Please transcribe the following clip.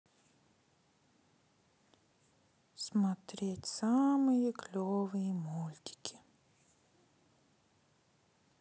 смотреть самые клевые мультики